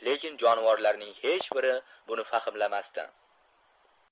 lekin jonivorlarning hech biri buni fahmlamasdi